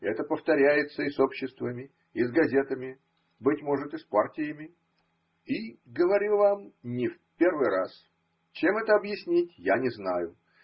Это повторяется и с обществами, и с газетами, – быть может и с партиями – и. говорю вам, не в первый раз. Чем это объяснить, я не знаю